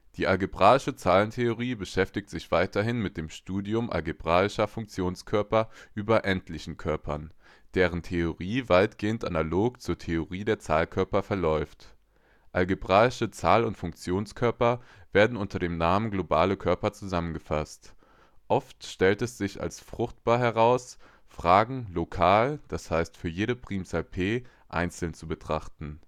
Die algebraische Zahlentheorie beschäftigt sich weiterhin mit dem Studium algebraischer Funktionenkörper über endlichen Körpern, deren Theorie weitgehend analog zur Theorie der Zahlkörper verläuft. Algebraische Zahl - und Funktionenkörper werden unter dem Namen „ globale Körper “zusammengefasst. Oft stellt es sich als fruchtbar heraus, Fragen „ lokal “, d. h. für jede Primzahl p einzeln zu betrachten